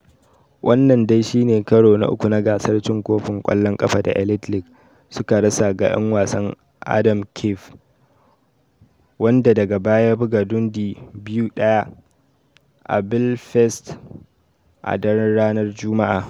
Wannan dai shi ne karo na uku na gasar cin kofin kwallon kafa da Elite League suka rasa ga 'yan wasan Adam Keefe, wanda daga baya ya buga Dundee 2-1 a Belfast a daren ranar Jumma'a.